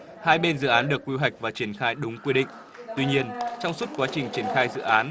hai bên dự án được quy hoạch và triển khai đúng quy định tuy nhiên trong suốt quá trình triển khai dự án